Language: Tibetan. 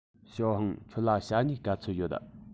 ཞའོ ཧུང ཁྱོད ལ ཞྭ སྨྱུག ག ཚོད ཡོད